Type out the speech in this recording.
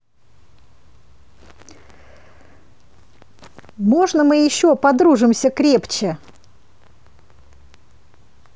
можно мы еще подружимся крепче